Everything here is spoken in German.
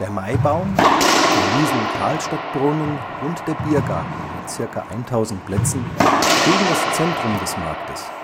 Maibaum, der Liesl-Karlstadt-Brunnen und der Biergarten mit circa 1000 Plätzen bilden das Zentrum des Marktes